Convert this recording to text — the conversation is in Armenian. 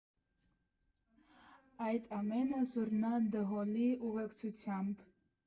Այս ամենը զուռնա֊դհոլի ուղեկցությամբ։